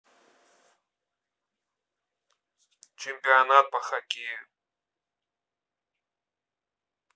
чемпионат по хоккею